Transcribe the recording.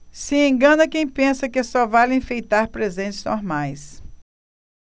se engana quem pensa que só vale enfeitar presentes normais